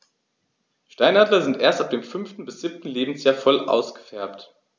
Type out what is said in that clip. Steinadler sind erst ab dem 5. bis 7. Lebensjahr voll ausgefärbt.